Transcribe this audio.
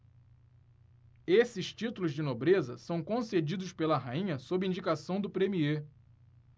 esses títulos de nobreza são concedidos pela rainha sob indicação do premiê